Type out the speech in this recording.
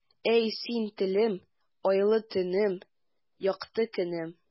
Әй, син, телем, айлы төнем, якты көнем.